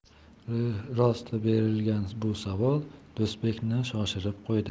ro'yirost berilgan bu savol do'stbekni shoshirib qo'ydi